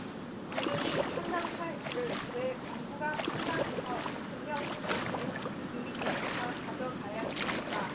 국민이 판단할 일을 왜 정부가 판단해서 대통령 생각대로 국민들이 다 가져가야 됩니까